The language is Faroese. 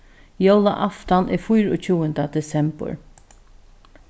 jólaaftan er fýraogtjúgunda desembur